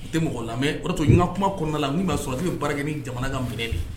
I tɛ mɔgɔ lamɛn o to n ka kuma kɔnɔna la min bɛ sɔrɔfin baara bɛ jamana ka minɛ de